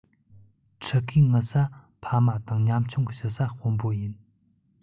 ཕྲུ གུའི ངུ ས ཕ མ དང ཉམ ཆུང གི ཞུ ས དཔོན པོ ཡིན